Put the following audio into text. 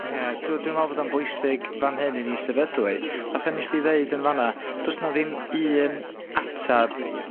Ie, dwi dwi me'wl bod o'n bwysig fan hyn i ni sefydlu, fatha nest di ddeud yn fan 'na, do's 'na ddim un atab